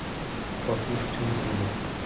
послушать в ютюбе